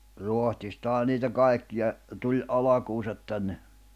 Ruotsistahan niitä kaikkia tuli alkunsa tänne